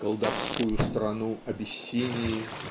"колдовскую страну" Абиссинии